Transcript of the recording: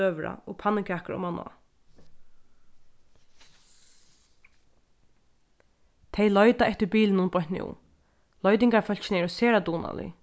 døgurða og pannukøkur omaná tey leita eftir bilinum beint nú leitingarfólkini eru sera dugnalig